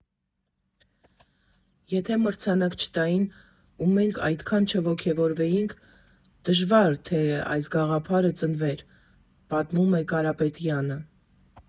Եթե մրցանակ չտային, ու մենք այդքան չոգևորվեինք, դժվար թե այս գաղափարը ծնվեր», ֊ պատմում է Կարապետյանը։